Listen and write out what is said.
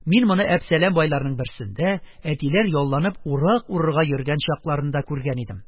Мин моны Әпсәләм байларының берсендә, әтиләр ялланып урак урырга йөргән чакларында күргән идем.